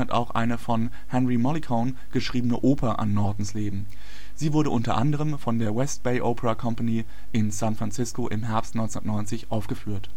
auch eine von Henry Mollicone geschriebene Oper an Nortons Leben. Sie wurde unter anderem von der West Bay Opera Company in San Francisco im Herbst 1990 aufgeführt